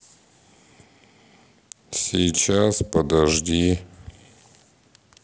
сейчас подожди